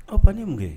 Aw ban ni mun kɛ